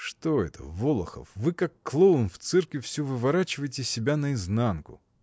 — Что это, Волохов, вы, как клоун в цирке, всё выворачиваете себя наизнанку!.